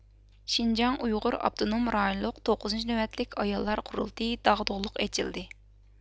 شىنجاڭ ئۇيغۇر ئاپتونوم رايونلۇق توققۇزىنچى نۆۋەتلىك ئاياللار قۇرۇلتىيى داغدۇغىلىق ئېچىلدى